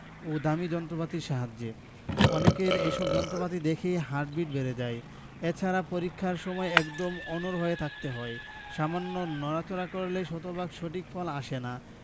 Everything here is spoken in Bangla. ও দামি যন্ত্রপাতির সাহায্যে অনেকের এসব যন্ত্রপাতি দেখেই হার্টবিট বেড়ে যায় এছাড়া পরীক্ষার সময় একদম অনড় হয়ে থাকতে হয় সামান্য নড়াচড়া করলে শতভাগ সঠিক ফল আসে না